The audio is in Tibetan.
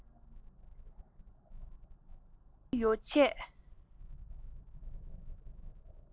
སྟབས བདེའི ཡོ བྱད